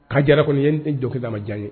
Kaa jara kɔni ye n tɛ jɔkɛ da diya ye